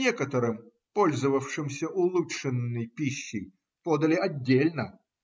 Некоторым, пользовавшимся улучшенной пищей, подали отдельно.